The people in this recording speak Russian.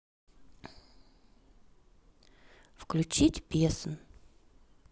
включить песн